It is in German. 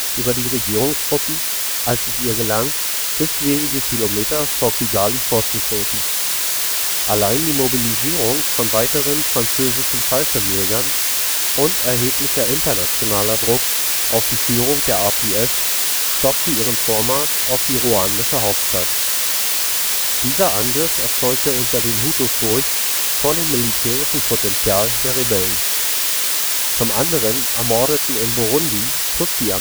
über die Regierungstruppen, als es ihr gelang, bis wenige Kilometer vor Kigali vorzustoßen. Allein die Mobilisierung von weiteren französischen Fallschirmjägern und erheblicher internationaler Druck auf die Führung der RPF stoppte ihren Vormarsch auf die ruandische Hauptstadt. Dieser Angriff erzeugte unter den Hutu Furcht vor dem militärischen Potenzial der Rebellen. Zum anderen ermordeten in Burundi Tutsi-Armeeangehörige